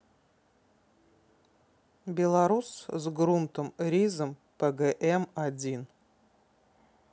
белорус с грунтом ризом пгм один